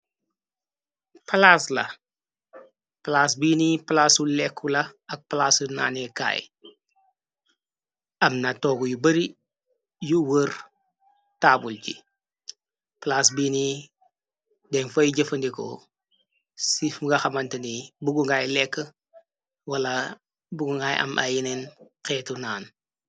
Palas la plaas biini plaasu lekku la ak plaasu naanekaay am na toog yu bari yu wër taabul ji plaas biini dem fay jëfandikoo ci fu nga xamantani buggu ngaay lekk wala buggu ngaay am ay yeneen xeetu naan.